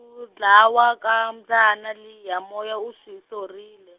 u dlawa ka mbyana liya Moyo u swi sorile.